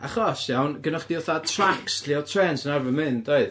Achos, iawn, gynna chdi fatha tracs lle oedd trêns yn arfer mynd, oedd?